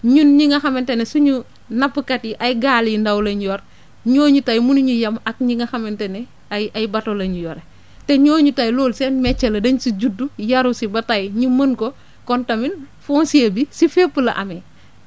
ñun ñi nga xamante ne suñu nappkat yi ay gaal yu ndaw lañ yor ñooñu tey munuñu yem ak ñi nga xamante ne ay ay bateaux la ñuy yore te ñooñu tey loolu seen métier la dañ si judd yaru si ba tey ñu mën ko kon tamit foncier bi si fépp la amee